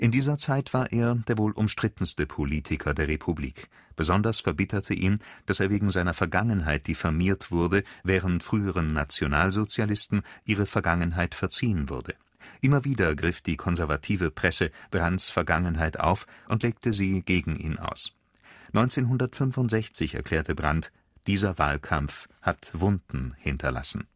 dieser Zeit war er der wohl umstrittenste Politiker der Republik. Besonders verbitterte ihn, dass er wegen seiner Vergangenheit diffamiert wurde, während früheren Nationalsozialisten ihre Vergangenheit verziehen wurde. Immer wieder griff die konservative Presse Brandts Vergangenheit auf und legte sie gegen ihn aus. 1965 erklärte Brandt „ Dieser Wahlkampf hat Wunden hinterlassen